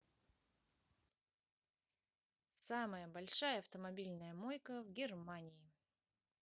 самая большая автомобильная мойка в германии